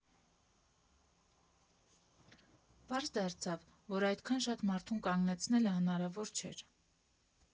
Պարզ դարձավ, որ այդքան շատ մարդում կանգնեցնելը հնարավոր չէր։